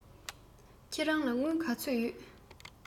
ཁྱེད རང ལ དངུལ ག ཚོད ཡོད